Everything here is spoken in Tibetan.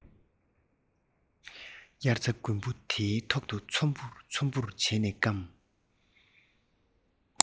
དབྱར རྩྭ དགུན འབུ དེའི ཐོག ཏུ ཚོམ བུ ཚོམ བུར བྱས ནས བསྐམས